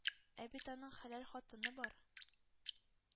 Ә бит аның хәләл хатыны бар,